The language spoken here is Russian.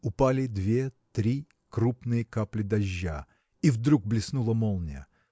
Упали две, три крупные капли дождя – и вдруг блеснула молния.